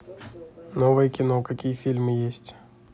новое кино какие фильмы есть